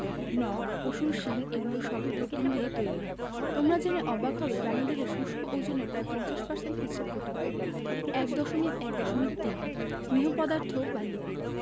নখ পশুর শিং এগুলো সবই প্রোটিন দিয়ে তৈরি হয় তোমরা জেনে অবাক হবে প্রাণীদেহের শুষ্ক ওজনের প্রায় ৫০% হচ্ছে প্রোটিন ১.১.৩ স্নেহ পদার্থ বা লিপিড